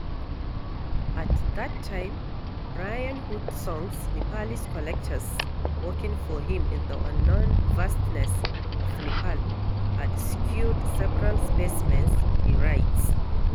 At that time Brian Hodgson’s Nepali collectors working for him in the unknown vastnesses of Nepal had secured several specimens, he writes.